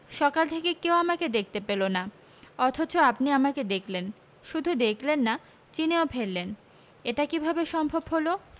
সকাল থেকে কেউ আমাকে দেখতে পেল না অথচ আপনি আমাকে দেখলেন শুধু দেখলেন না চিনেও ফেললেন এটা কীভাবে সম্ভব হলো